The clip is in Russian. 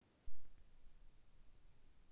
александр рапопорт